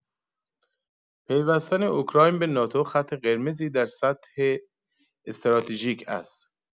پیوستن اوکراین به ناتو خط قرمزی در سطح استراتژیک است.